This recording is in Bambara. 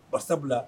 Bar sabula